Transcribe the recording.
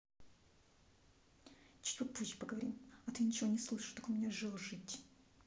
чуть попозже поговорим а то я ничего не слышу так у меня жил жить